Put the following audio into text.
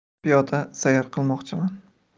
piyoda sayr qilmoqchiman